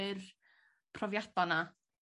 yr profiada 'na